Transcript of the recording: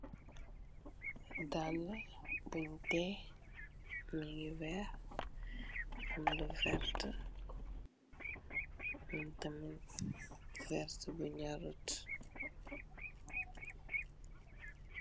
Daala bung tiye mongi weex lu verta verta bu nyorut.